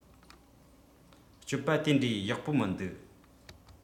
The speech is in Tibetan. སྤྱོད པ དེ འདྲའི ཡག པོ མི འདུག